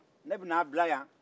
ne bɛ na bila yan